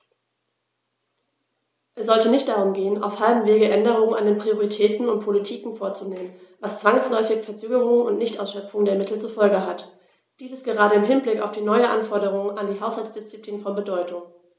Es sollte nicht darum gehen, auf halbem Wege Änderungen an den Prioritäten und Politiken vorzunehmen, was zwangsläufig Verzögerungen und Nichtausschöpfung der Mittel zur Folge hat. Dies ist gerade im Hinblick auf die neuen Anforderungen an die Haushaltsdisziplin von Bedeutung.